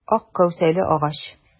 Ак кәүсәле агач.